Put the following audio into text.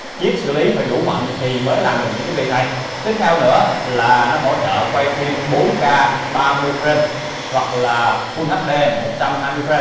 chip xử lý phải đủ mạnh thì mới làm được những việc này tiếp theo nữa là nó hỗ trợ quay phim k frames hoặc là fullhd frames